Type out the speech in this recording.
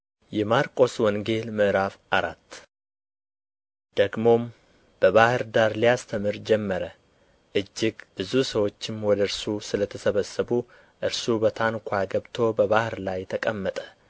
የማርቆስ ወንጌል ምዕራፍ አራት ደግሞም በባሕር ዳር ሊያስተምር ጀመረ እጅግ ብዙ ሰዎችም ወደ እርሱ ስለ ተሰበሰቡ እርሱ በታንኳ ገብቶ በባሕር ላይ ተቀመጠ